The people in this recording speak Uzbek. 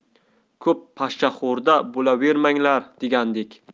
ko'p pashshaxo'rda bo'lavermanglar degandek